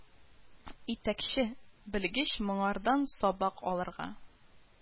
Итәкче, белгеч моңардан сабак алырга